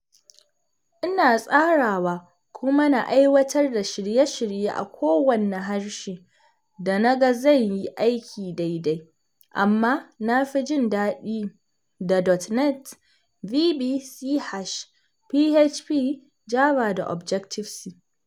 Ina tsarawa kuma na aiwatar da shirye-shirye a kowaanne harshe da na ga zai yi aikin daidai, amma na fi jin daɗi da .NET (VB, C#), PHP, Java da Objective C.